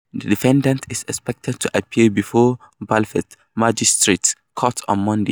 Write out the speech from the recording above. The defendant is expected to appear before Belfast Magistrates' Court on Monday.